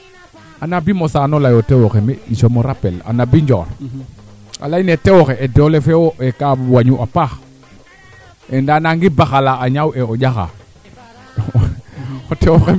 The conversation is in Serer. no tan ax den surtout axa ñaawin wala ax ax fasaaɓte ref o foora teel wala te ref o ñako foora teel peut etre xaƴna a foora teela nga to a tembake